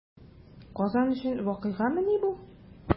Казан өчен вакыйгамыни бу?